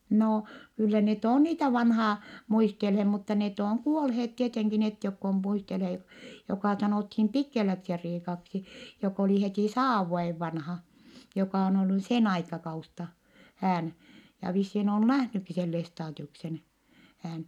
no kyllä ne on niitä vanhaa muistelleet mutta ne on kuolleet tietenkin ne jotka on muistelleet jo joka sanottiin Pikkeläksi-Riikaksi joka oli heti sadan vuoden vanha joka on ollut sen - aikakautta hän ja vissiin on nähnytkin sen Lestadiuksen hän